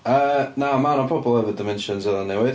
Yy na, ma' 'na pobl efo dementia yn Seland Newydd.